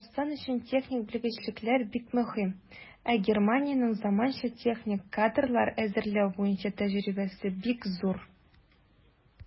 Татарстан өчен техник белгечлекләр бик мөһим, ә Германиянең заманча техник кадрлар әзерләү буенча тәҗрибәсе бик зур.